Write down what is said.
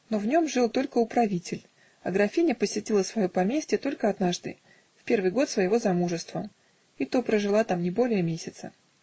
но в нем жил только управитель, а графиня посетила свое поместье только однажды, в первый год своего замужества, и то прожила там не более месяца.